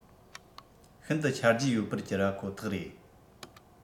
ཤིན ཏུ ཆ རྒྱུས ཡོད པར གྱུར པ ཁོ ཐག རེད